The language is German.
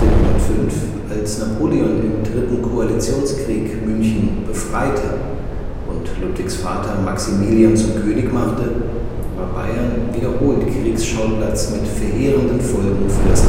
1805, als Napoleon im dritten Koalitionskrieg München „ befreite “und Ludwigs Vater Maximilian zum König machte, war Bayern wiederholt Kriegsschauplatz mit verheerenden Folgen für das